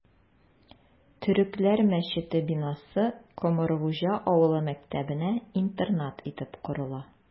Төрекләр мәчете бинасы Комыргуҗа авылы мәктәбенә интернат итеп корыла...